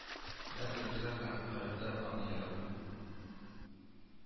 Менә төрекләр һәм гарәпләр аны яратмый